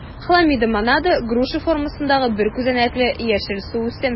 Хламидомонада - груша формасындагы бер күзәнәкле яшел суүсем.